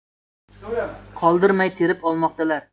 qoldirmay terib olmoqdalar